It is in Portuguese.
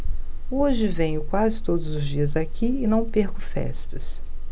hoje venho quase todos os dias aqui e não perco festas